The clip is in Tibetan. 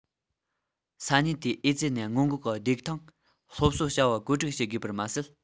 ས གནས དེའི ཨེ ཙི ནད སྔོན འགོག གི བདེ ཐང སློབ གསོའི བྱ བ བཀོད སྒྲིག བྱེད དགོས པར མ ཟད